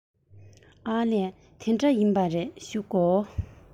ཨ ལས དེ འདྲ ཡིན པ རེད བཞུགས དགོ